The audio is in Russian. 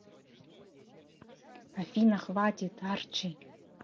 афина хватит archi